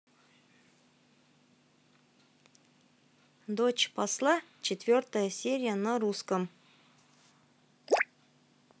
дочь посла четвертая серия на русском